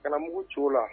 Karamɔgɔugu cogo la